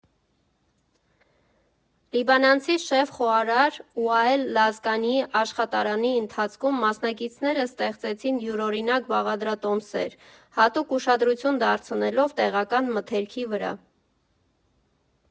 Լիբանանցի շեֆ խոհարար Ուաել Լազկանիի աշխատարանի ընթացքում մասնակիցները ստեղծեցին յուրօրինակ բաղադրատոմսեր՝ հատուկ ուշադրություն դարձնելով տեղական մթերքի վրա։